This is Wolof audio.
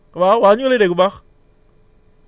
waaw waaw ñu ngi lay dégg bu baax